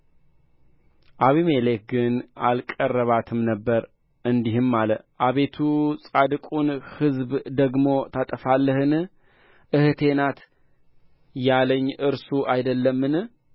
አቢሜሌክ ግን አልቀረባትም ነበር እንዲህም አለ አቤቱ ጻድቁን ሕዝብ ደግሞ ታጠፋለህን እኅቴ ናት ያለኝ እርሱ አይደለምን